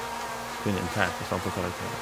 Kun internt med standpunktkarakterer.